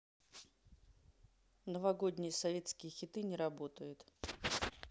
новогодние советские хиты не работает